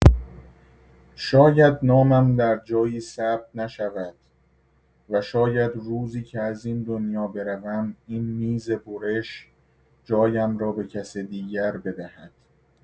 شاید نامم در جایی ثبت نشود و شاید روزی که از این دنیا بروم این میز برش جایم را به کسی دیگر بدهد.